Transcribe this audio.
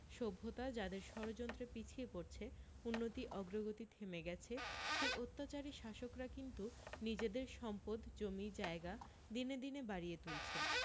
সভ্যতা যাদের ষড়যন্ত্রে পিছিয়ে পড়ছে উন্নতি অগ্রগতি থেমে গেছে সেই অত্যাচারী শাসকরা কিন্তু নিজেদের সম্পদ জমিজায়গা দিনে দিনে বাড়িয়ে তুলছে